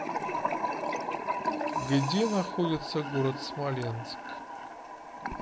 где находится город смоленск